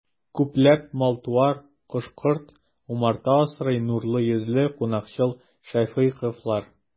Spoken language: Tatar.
Күпләп мал-туар, кош-корт, умарта асрый нурлы йөзле, кунакчыл шәфыйковлар.